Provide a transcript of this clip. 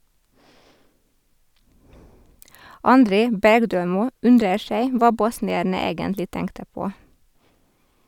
André Bergdølmo undrer seg hva bosnierne egentlig tenkte på.